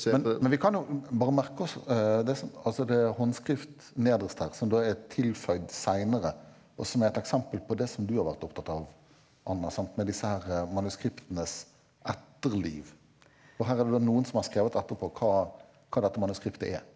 men men vi kan jo bare merke oss det som altså det håndskrift nederst her som da er tilføyd seinere og som er et eksempel på det som du har vært opptatt av Anna sant med disse her manuskriptenes etterliv og her er det da noen som har skrevet etterpå hva hva dette manuskriptet er.